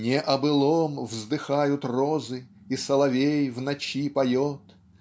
Не о былом вздыхают розы И соловей в ночи поет